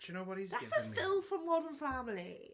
Do you know what he's giving me?... That's a Phil from Modern Family.